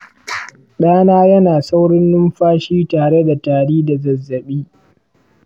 ɗana yana saurin numfashi tare da tari da zazzabi.